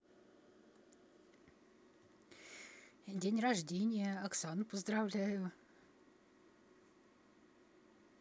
день рождения оксану поздравляю